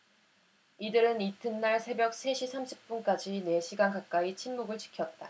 이들은 이튿날 새벽 세 시 삼십 분까지 네 시간 가까이 침묵을 지켰다